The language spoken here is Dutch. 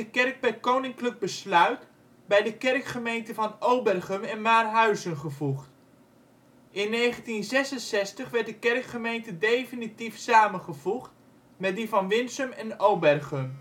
kerk per Koninklijk Besluit bij de kerkgemeente van Obergum en Maarhuizen gevoegd. In 1966 werd de kerkgemeente definitief samengevoegd met die van Winsum en Obergum